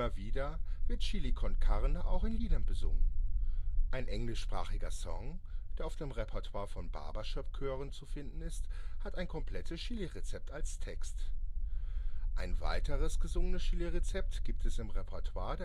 wieder wird Chili con Carne auch in Liedern besungen. Ein englischsprachiger Song, der oft im Repertoire von Barbershop-Chören zu finden ist, hat ein komplettes Chilirezept als Text. Ein weiteres gesungenes Chilirezept gibt es im Repertoire